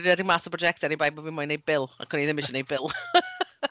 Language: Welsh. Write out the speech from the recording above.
Redeg mas o brosiectau oni bai bod fi moyn wneud bil. Ac o'n i ddim isie wneud bil .